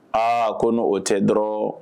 Aa ko o tɛ dɔrɔn